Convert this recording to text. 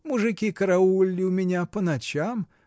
— Мужики караулили у меня по ночам.